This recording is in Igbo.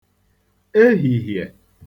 ehìhìè